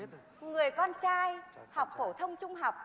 người con trai học phổ thông trung học